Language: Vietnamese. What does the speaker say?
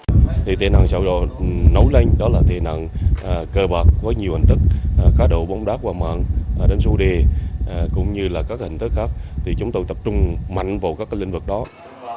thì tệ nạn sau đó nổi lên đó là tệ nạn cờ bạc có nhiều hình thức cá độ bóng đá của man đến chủ đề cũng như là các hình thức khác thì chúng tôi tập trung mạnh vào các lĩnh vực đó